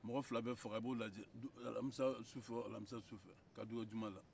mɔgɔ fila bɛ faga i b'o lajɛ alamisa sufɛ o alamisa sufɛ k'a dugujɛ juma la